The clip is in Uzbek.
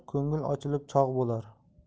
ko'ngil ochilib chog' bo'lar